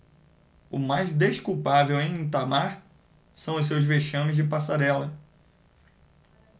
o mais desculpável em itamar são os seus vexames de passarela